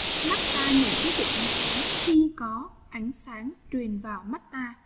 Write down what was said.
mắt ta nhận biết được ánh sáng khi có ánh sáng truyền vào mắt ta